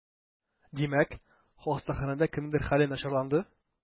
Димәк, хастаханәдә кемнеңдер хәле начарланды?